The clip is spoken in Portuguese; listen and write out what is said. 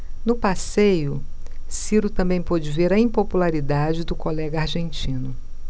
no passeio ciro também pôde ver a impopularidade do colega argentino